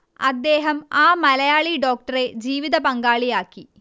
അദ്ദേഹം ആ മലയാളി ഡോക്ടറെ ജീവിതപങ്കാളിയാക്കി